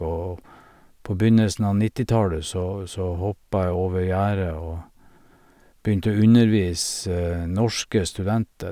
Og på begynnelsen av nittitallet så så hoppa jeg over gjerdet og begynte å undervise norske studenter.